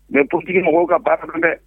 Mɛ ptigi mɔgɔw ka baf dɛ